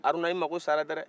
haruna e mago sara dɛrɛ